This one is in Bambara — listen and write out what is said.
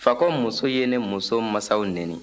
fako muso ye ne muso masaw neni